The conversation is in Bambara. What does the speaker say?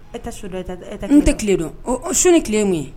E tɛ su dɔn e tɛ n tɛ tile dɔn, o su ni tile mun ye